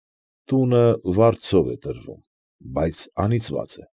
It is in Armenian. Տունը վարձով է տրվում, բայց անիծված է։